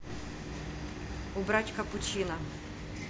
убрать капучино